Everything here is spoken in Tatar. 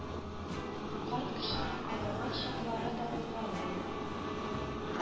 Карт кешенең авырган чаклары да булгалый